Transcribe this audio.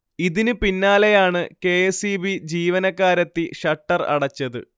ഇതിന് പിന്നാലെയാണ് K. S. E. B. ജീവനക്കാരെത്തി ഷട്ടർ അടച്ചത്